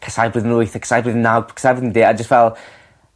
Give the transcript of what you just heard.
casau blwyddyn wyth a casau blwyddyn naw casau blwyddyn de- a jyst fel ...